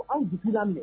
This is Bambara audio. An minɛ